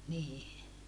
niin